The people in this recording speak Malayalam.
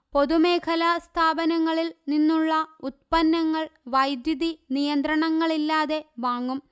പൊതുമേഖലാ സ്ഥാപനങ്ങളിൽ നിന്നുള്ള ഉത്പന്നങ്ങൾ വൈദ്യുതി നിയന്ത്രണങ്ങളില്ലാതെ വാങ്ങും